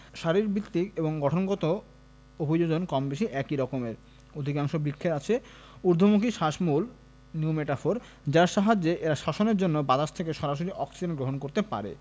শারীরবৃত্তিক ও গঠনগত অভিযোজন কমবেশি একই রকম অধিকাংশ বৃক্ষের আছে ঊর্ধ্বমুখী শ্বাসমূল নিউমেটাফোর যার সাহায্যে এরা শ্বসনের জন্য বাতাস থেকে সরাসরি অক্সিজেন গ্রহণ করতে পারে